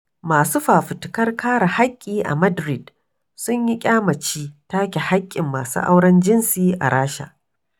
Masu fafutukar kare haƙƙi a Madrid sun yi ƙyamaci take haƙƙin masu auren jinsi a Rasha